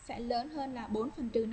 cháy lớn hơn là phần trăm